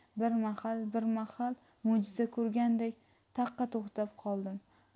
bir mahal bir mahal mo'jiza ko'rgandek taqqa to'xtab qoldim